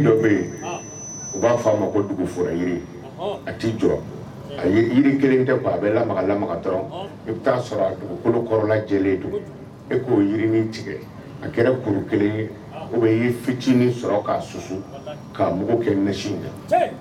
u b'a f a ma ko dugu fura a t' jɔ a yiri kelen kɛ a bɛlama dɔrɔn i bɛa sɔrɔ a dugukolo kɔrɔla lajɛlen don e k'oini tigɛ a kɛra kuru kelen o bɛ' fitinin sɔrɔ k ka susu k' mugu kɛ na